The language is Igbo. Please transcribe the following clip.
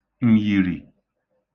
m̀yìrì